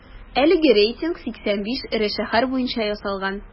Әлеге рейтинг 85 эре шәһәр буенча ясалган.